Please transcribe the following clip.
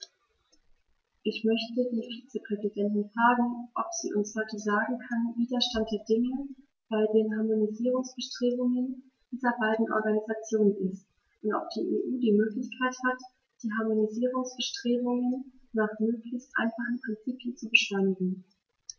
Ich möchte die Vizepräsidentin fragen, ob sie uns heute sagen kann, wie der Stand der Dinge bei den Harmonisierungsbestrebungen dieser beiden Organisationen ist, und ob die EU die Möglichkeit hat, die Harmonisierungsbestrebungen nach möglichst einfachen Prinzipien zu beschleunigen.